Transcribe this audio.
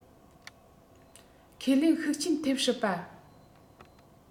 ཁས ལེན ཤུགས རྐྱེན ཐེབས སྲིད པ